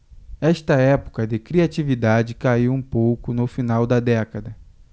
esta época de criatividade caiu um pouco no final da década